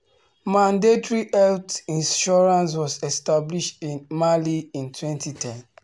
Mandatory health insurance was established in Mali in 2010.